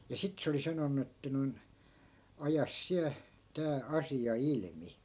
ja sitten se oli sanonut että noin aja sinä tämä asia ilmi